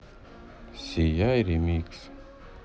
сияй ремикс